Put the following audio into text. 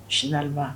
Finalement